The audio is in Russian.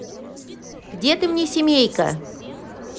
где ты мне семейка